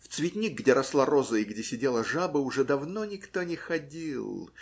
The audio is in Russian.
В цветник, где росла роза и где сидела жаба, уже давно никто не ходил.